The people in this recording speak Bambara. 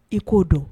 I k'o dɔn